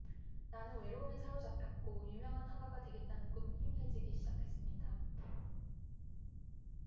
나는 외로움에 사로잡혔고 유명한 화가가 되겠다는 꿈은 희미해지기 시작했습니다